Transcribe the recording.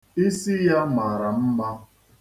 Isi ya mara mma.